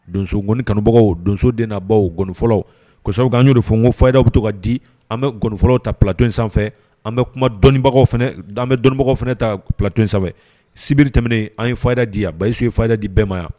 Donsoɔni kanubagaw donso de na baw gfɔlaw kɔ'an'o de fɔ ko fadaw bɛ to ka di an bɛ gfɔw tat in sanfɛ an bɛ kuma dɔnniibagaw bɛ dɔnnibagaw fana ta pt sanfɛ sibiri tɛmɛnen an ye fa da di a basiyisiw ye faya di bɛɛ ma yan